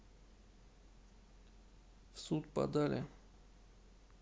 в суд подали